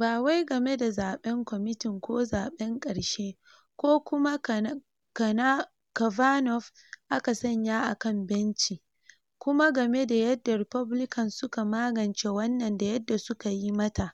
"Ba kawai game da zaben kwamitin ko zaben karshe ko kuma Kavanaugh aka sanya a kan benci, kuma game da yadda Republicans suka magance wannan da yadda suka yi mata,"